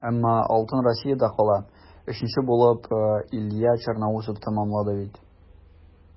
Әмма алтын Россиядә кала - өченче булып Илья Черноусов тәмамлады бит.